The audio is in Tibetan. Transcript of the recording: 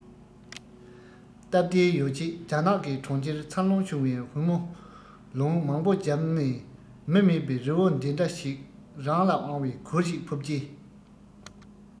སྟབས བདེའི ཡོ བྱད རྒྱ ནག གི གྲོང ཁྱེར འཚར ལོངས བྱུང བའི བུ མོ ལུང མང པོ བརྒྱབ ནས མི མེད པའི རི བོ འདི འདྲ ཞིག རང ལ དབང བའི གུར ཞིག ཕུབ རྗེས